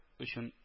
Өчен